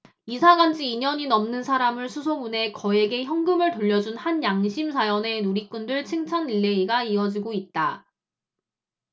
이사 간지 이 년이 넘는 사람을 수소문해 거액의 현금을 돌려준 한 양심 사연에 누리꾼들 칭찬릴레이가 이어지고 있다